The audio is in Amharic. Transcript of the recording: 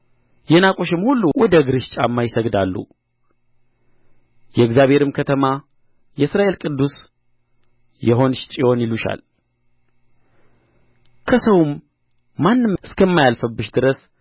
የናቁሽም ሁሉ ወደ እግርሽ ጫማ ይሰግዳሉ የእግዚአብሔርም ከተማ የእስራኤል ቅዱስ የሆንሽ ጽዮን ይሉሻል ከሰውም ማንም እስከማያልፍብሽ ድረስ